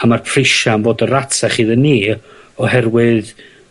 a ma'r prisia' yn fod y' ratach iddyn ni, oherwydd,